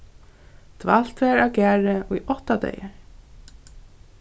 dvalt var á garði í átta dagar